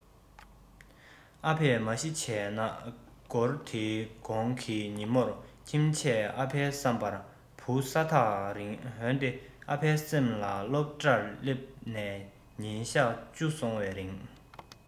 ཨ ཕས མ གཞི བྱས ན སྒོར དེའི གོང གི ཉིན མོར ཁྱིམ ཆས ཨ ཕའི བསམ པར བུ ས ཐག རིང འོན ཏེ ཨ ཕའི སེམས ལ སློབ གྲྭར སླེབས ནས ཉིན གཞག བཅུ སོང བའི རིང